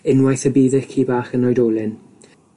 Unwaith y bydd eich ci bach yn oedolyn,